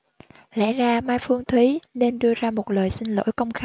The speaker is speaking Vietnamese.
lẽ ra mai phương thúy nên đưa ra một lời xin lỗi công khai